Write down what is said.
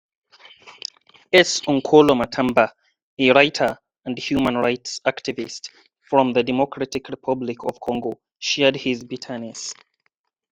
S. Nkola Matamba, a writer and human rights activist from the Democratic Republic of Congo, shared his bitterness: